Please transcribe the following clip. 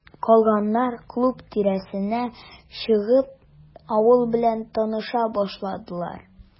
Калганнар, клуб тирәсенә чыгып, авыл белән таныша башладылар.